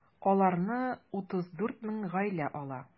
Аларны 34 мең гаилә ала.